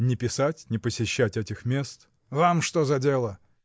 не писать, не посещать этих мест. — Вам что за дело?